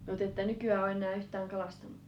no te ette nykyään ole enää yhtään kalastanut